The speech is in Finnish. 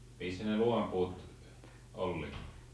missä ne luomapuut olivat